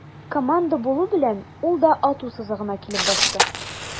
Команда булу белән, ул да ату сызыгына килеп басты.